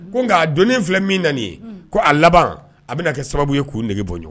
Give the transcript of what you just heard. Ko nka donni filɛ min nan ni ye ko a laban a bɛna kɛ sababu ye kun nege bɔ ɲɔgɔn na.